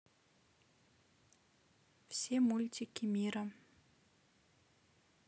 все мультики мира